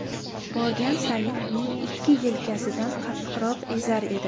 borgan sayin uning ikki yelkasidan qattiqroq ezar edi